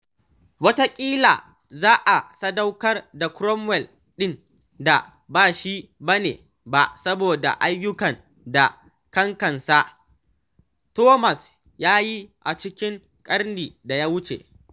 Wataƙila za a sadaukar da Cromwell ɗin da ba shi bane ba saboda ayyukan da kakansa Thomas ya yi a cikin ƙarni da ya wuce.